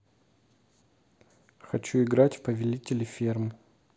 хочу играть в повелители ферм